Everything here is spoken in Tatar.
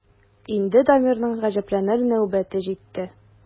Инде Дамирның гаҗәпләнер нәүбәте җитте.